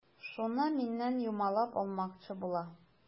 Шуны миннән юмалап алмакчы була.